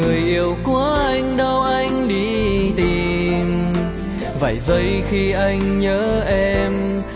người yêu của anh đâu anh đi tìm vài giây khi anh nhớ em